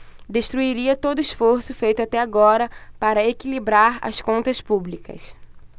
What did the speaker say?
destruiria todo esforço feito até agora para equilibrar as contas públicas